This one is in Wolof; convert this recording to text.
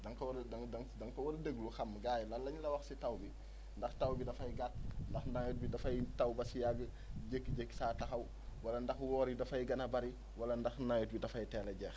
da nga ko war a da nga da nga ko war a déglu xam gars yi lan lañ la wax si taw bi ndax taw bi dafay gàtt ndax nawet bi dafay taw ba si yàgg jékki-jékki saa taxaw wala ndax woor yi dafay gën a bëri wala ndax nawet wi dafay teel a jeex